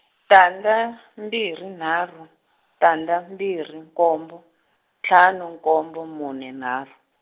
tandza, mbirhi nharhu, tandza mbirhi nkombo, ntlhanu nkombo mune nharhu.